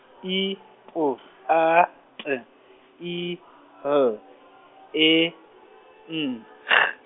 I P A K I L E N G.